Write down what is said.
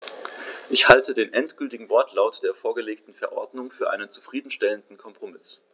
Ich halte den endgültigen Wortlaut der vorgelegten Verordnung für einen zufrieden stellenden Kompromiss.